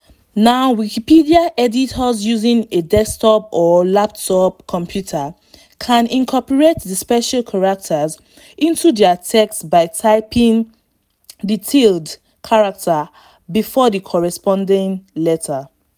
Now Wikipedia editors using a desktop or laptop computer can incorporate the special characters into their texts by typing the tilde (~) character before the corresponding letter.